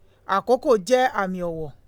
Àkókò jẹ́ àmì ọ̀wọ̀.